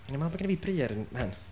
oni'n meddwl bod gynna fi bry ar 'y mhen